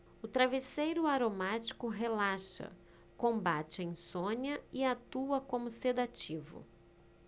o travesseiro aromático relaxa combate a insônia e atua como sedativo